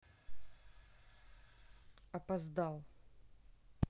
опоздал